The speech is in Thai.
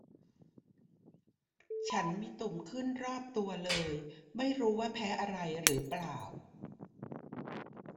ฉันมีตุ่มขึ้นรอบตัวเลยไม่รู้ว่าแพ้อะไรหรือเปล่า